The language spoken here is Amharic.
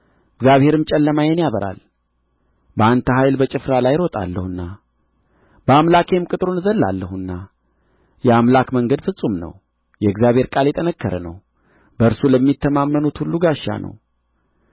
እግዚአብሔርም ጨለማዬን ያበራል በአንተ ኃይል በጭፍራ ላይ እሮጣለሁና በአምላኬም ቅጥሩን እዘልላለሁና የአምላክ መንገድ ፍጹም ነው የእግዚአብሔር ቃል የነጠረ ነው በእርሱ ለሚታመኑት ሁሉ ጋሻ ነው